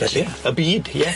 Felly y byd, ie.